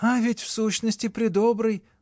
— А ведь в сущности предобрый!